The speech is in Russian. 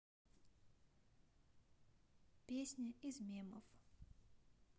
песня из мемов